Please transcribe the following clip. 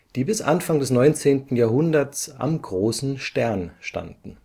die bis Anfang des 19. Jahrhunderts am Großen Stern standen